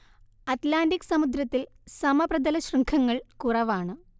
Atlantic സമുദ്രത്തിൽ സമപ്രതലശൃംഖങ്ങൾ കുറവാണ്